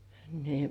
niin